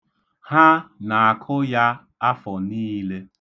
Ha na-akụ ya afọ niile.